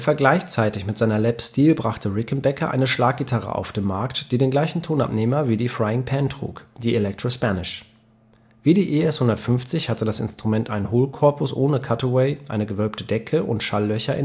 gleichzeitig mit seiner Lap Steel brachte Rickenbacker eine Schlaggitarre auf den Markt, die den gleichen Tonabnehmer wie die „ Frying Pan “trug – die Electro Spanish. Wie die ES-150 hatte das Instrument einen Hohlkorpus ohne Cutaway, eine gewölbte Decke und Schalllöcher